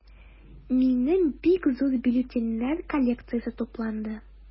Минем бик зур бюллетеньнәр коллекциясе тупланды.